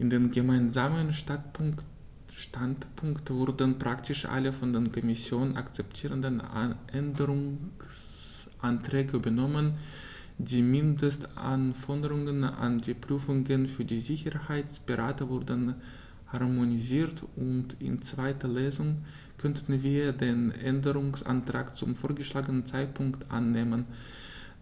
In den gemeinsamen Standpunkt wurden praktisch alle von der Kommission akzeptierten Änderungsanträge übernommen, die Mindestanforderungen an die Prüfungen für die Sicherheitsberater wurden harmonisiert, und in zweiter Lesung können wir den Änderungsantrag zum vorgeschlagenen Zeitpunkt annehmen,